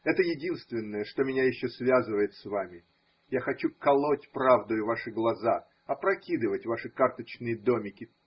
Это единственное, что меня еще связывает с вами: я хочу колоть правдою ваши глаза, опрокидывать ваши карточные домики.